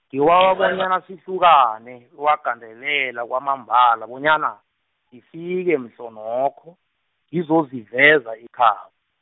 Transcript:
ngibawa bonyana sihlukane, bewagandelela kwamambala bonyana, ngifike mhlanokho, ngizoziveza ekhabo.